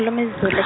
-khuluma isiZulu.